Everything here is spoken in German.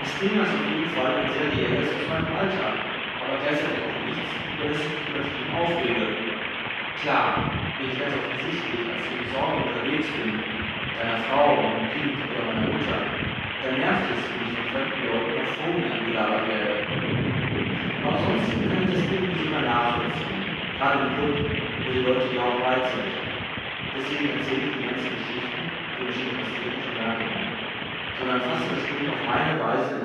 Thema ist auf jeden Fall ein sehr reelles aus meinem Alltag, aber gleichzeitig auch nichts, über das ich mich übertrieben aufrege. Klar, wenn ich ganz offensichtlich als Samy Sorge unterwegs bin, mit einer Frau, meinem Kind oder meiner Mutter, dann nervt es, wenn ich von fremden Leuten auf Homie angelabert werde. Aber sonst kann ich das irgendwie sogar nachvollziehen, gerade im Club, wo die Leute ja auch breit sind. Deswegen erzähle ich die ganzen Geschichten, die mir ständig passieren schon gar nicht mehr, sondern fasse das eben auf meine Weise